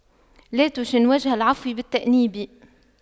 لا تشن وجه العفو بالتأنيب